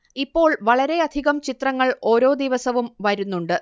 ഇപ്പോൾ വളരെയധികം ചിത്രങ്ങൾ ഓരോ ദിവസവും വരുന്നുണ്ട്